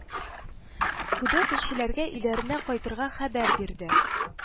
Гудок эшчеләргә өйләренә кайтырга хәбәр бирде